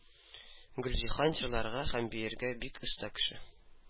Гөлҗиһан җырларга һәм биергә бик оста кеше.